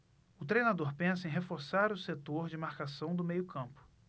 o treinador pensa em reforçar o setor de marcação do meio campo